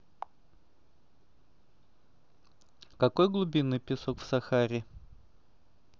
какой глубины песок в сахаре